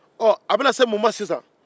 ɔ a bɛna se mun ma sisan